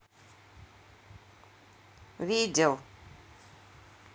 видел